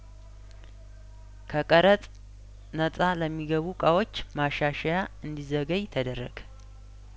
ከቀረጥ ነጻ ለሚገቡ እቃዎች ማሻሻያ እንዲዘገይ ተደረገ